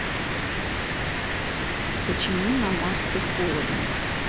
почему на марсе холодно